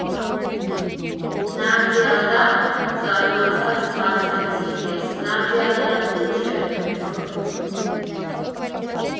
Նարդիադա՞, ֊ զարմացած հարցրեցի ես, ֊ Նարդիադան ի՞նչ է, Ֆը։